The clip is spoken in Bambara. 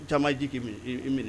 Taama ye ji k' i minɛ